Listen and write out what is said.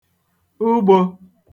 ugbō